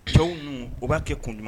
Cɛw ninnu u b'a kɛ kunuma